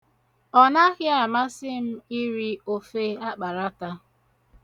Ọnaghị amasị m iri ofe akparata.